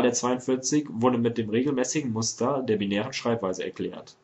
42 “wurde mit dem regelmäßigen Muster der binären Schreibweise erklärt